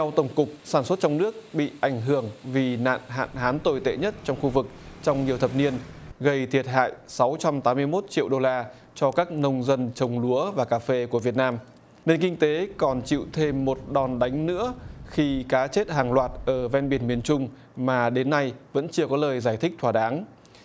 theo tổng cục sản xuất trong nước bị ảnh hưởng vì nạn hạn hán tồi tệ nhất trong khu vực trong nhiều thập niên gây thiệt hại sáu trăm tám mươi mốt triệu đô la cho các nông dân trồng lúa và cà phê của việt nam nền kinh tế còn chịu thêm một đòn đánh nữa khi cá chết hàng loạt ở ven biển miền trung mà đến nay vẫn chưa có lời giải thích thỏa đáng